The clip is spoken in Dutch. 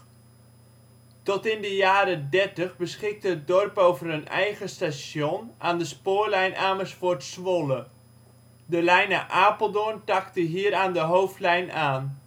Tot in de jaren 30 beschikte het dorp over een eigen station aan de spoorlijn Amersfoort - Zwolle. De lijn naar Apeldoorn takte hier aan de hoofdlijn aan